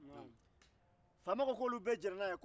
faama ko k'olu bɛɛ jɛnna n'a ye wa